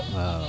wawaw